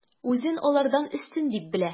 Үзен алардан өстен дип белә.